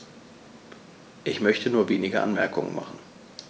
Ich möchte nur wenige Anmerkungen machen.